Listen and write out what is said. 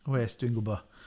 Wes, dwi'n gwbod.